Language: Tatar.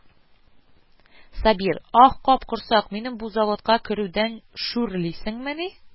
Сабир: «Ах, капкорсак, минем бу заводка керүдән шүрлисеңмени